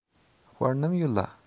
དཔར ནམ ཡོད ལ